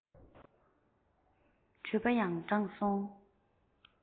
གྲོད པ ཡང འགྲངས སོང